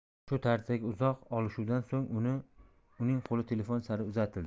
shu tarzdagi uzoq olishuvdan so'ng uning qo'li telefon sari uzatildi